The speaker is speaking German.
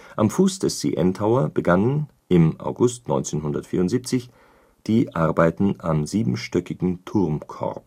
Am Fuß des CN Tower begannen im August 1974 die Arbeiten am siebenstöckigen Turmkorb